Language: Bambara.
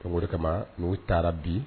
Donc o de kama n'u taara bi.